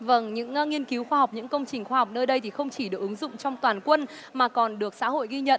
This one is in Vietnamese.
vâng những nghiên cứu khoa học những công trình khoa học nơi đây thì không chỉ được ứng dụng trong toàn quân mà còn được xã hội ghi nhận